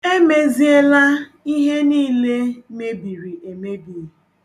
E meziela ihe niile mebiri emebi.